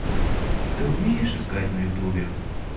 ты умеешь искать на ютубе